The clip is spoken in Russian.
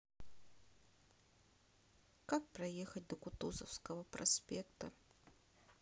как проехать до кутузовского проспекта